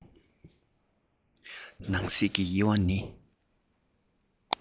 ནང གསེས ཀྱི དབྱེ བ ནི